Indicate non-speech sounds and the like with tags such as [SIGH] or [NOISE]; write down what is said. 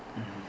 [HESITATION] [HESITATION]